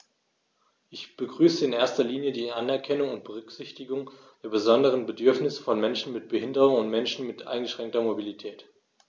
Ich begrüße in erster Linie die Anerkennung und Berücksichtigung der besonderen Bedürfnisse von Menschen mit Behinderung und Menschen mit eingeschränkter Mobilität.